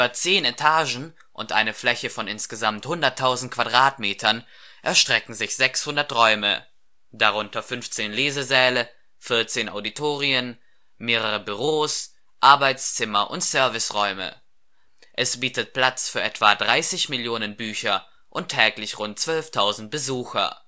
zehn Etagen und eine Fläche von insgesamt 100.000 Quadratmetern erstrecken sich 600 Räume, darunter 15 Lesesäle, 14 Auditorien, mehrere Büros, Arbeitszimmer und Serviceräume. Es bietet Platz für etwa 30 Millionen Bücher und täglich rund 12.000 Besucher